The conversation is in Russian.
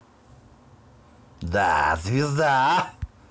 да звезда